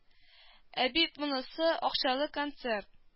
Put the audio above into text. Ә бит монысы акчалы концерт